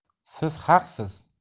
siz haqsiz